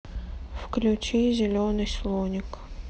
включи зеленый слоник